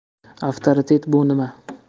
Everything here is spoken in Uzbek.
avtoritet bu nima